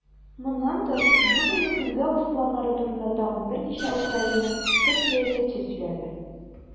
Моннан тыш, бүгенге көнгә үз планнары турында тагын берничә Украина топ-сәясәтчесе сөйләде.